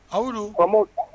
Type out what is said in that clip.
A